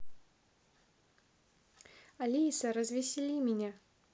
алиса развесели меня